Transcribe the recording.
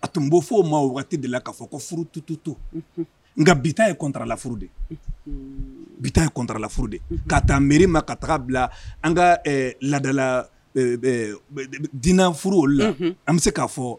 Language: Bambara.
A tunbo fɔ o ma waati de la k'a fɔ ko furutututu nka bi yetalaf de bi kɔntalafuru de ka taa mi ma ka taga bila an ka ladala diinɛ furu o la an bɛ se k'a fɔ